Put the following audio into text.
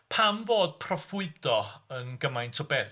Pam fod proffwydo yn gymaint o beth?